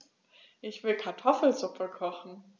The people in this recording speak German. Ich will Kartoffelsuppe kochen.